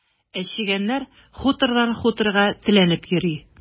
Ә чегәннәр хутордан хуторга теләнеп йөри.